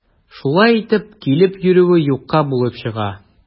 Шулай итеп, килеп йөрүе юкка булып чыга.